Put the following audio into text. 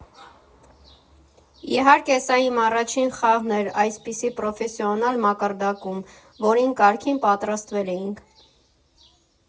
Իհարկե, սա իմ առաջին խաղն էր այսպիսի պրոֆեսիոնալ մակարդակում, որին կարգին պատրաստվել էինք։